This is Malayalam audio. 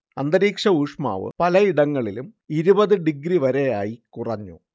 അന്തരീക്ഷഊഷ്മാവ് പലയിടങ്ങളിലും ഇരുപത് ഡിഗ്രി വരെയായി കുറഞ്ഞു